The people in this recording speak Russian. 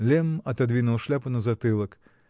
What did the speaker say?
Лемм отодвинул шляпу на затылок